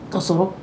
Ka sɔrɔ